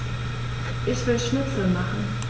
Ich will Schnitzel machen.